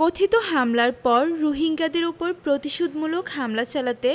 কথিত হামলার পর রোহিঙ্গাদের ওপর প্রতিশোধমূলক হামলা চালাতে